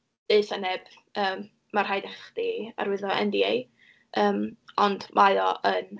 deutha neb, yym, ma' rhaid i chdi arwyddo NDA, yym, ond mae o yn...